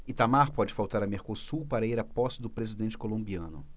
itamar pode faltar a mercosul para ir à posse do presidente colombiano